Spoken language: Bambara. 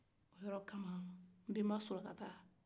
oyɔrɔ ka ma nbenba sulakata